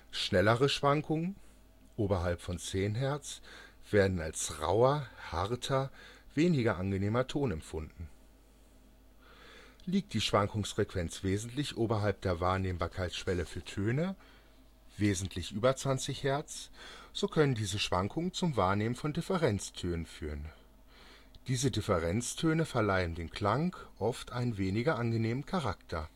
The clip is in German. Schnellere Schwankungen (oberhalb von 10 Hertz), werden als rauher, " harter ", weniger angenehmer Ton empfunden. Liegt die Schwankungsfrequenz wesentlich oberhalb der Wahrnehmbarkeitsschwelle für Töne (wesentlich über 20 Hertz), so können diese Schwankungen zum Wahrnehmen von Differenztönen führen. Diese Differenztöne verleihen dem Klang oft einen weniger angenehmen Charakter